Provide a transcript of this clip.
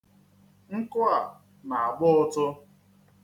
Nkụ a na-agba ụtụ.